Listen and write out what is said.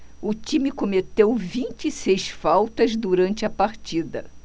o time cometeu vinte e seis faltas durante a partida